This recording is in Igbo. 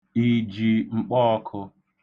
I ji mkpọọkụ?